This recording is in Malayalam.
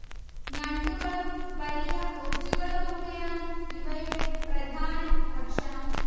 ഞണ്ടുകളും വലിയ ഒച്ചുകളുമൊക്കെയാണ് ഇവയുടെ പ്രധാന ഭക്ഷണം